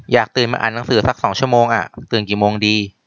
อยากตื่นมาอ่านหนังสือสองชั่วโมงอะตื่นกี่โมงดี